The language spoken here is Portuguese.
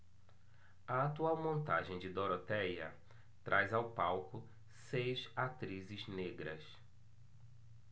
a atual montagem de dorotéia traz ao palco seis atrizes negras